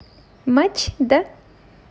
матч да